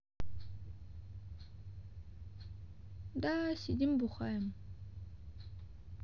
да сидим бухаем